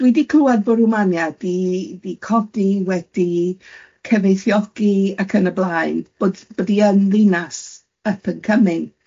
...dwi di clywed bo' Rwmania di di codi wedi cyfieithiogi ac yn y blaen, bod bod hi yn ddinas up and coming.